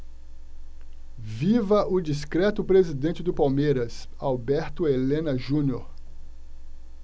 viva o discreto presidente do palmeiras alberto helena junior